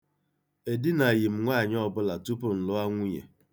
Edinaghị m nwaanyị ọbụla tupu m lụọ nwunye.